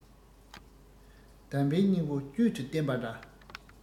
གདམས པའི སྙིང བོ བཅུད དུ བསྟེན པ འདྲ